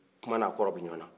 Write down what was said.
kuma ni a kɔrɔ b'i ɲwaana